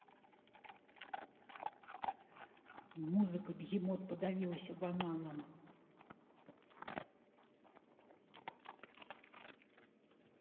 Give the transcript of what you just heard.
музыка бегемот подавилася бананом